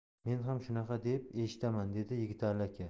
menam shunaqa deb eshitaman dedi yigitali aka